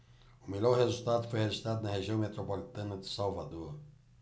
o melhor resultado foi registrado na região metropolitana de salvador